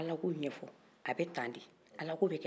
ka ala ko ɲɛfɔ a bɛ tan de ala ko bɛ kɛ tan de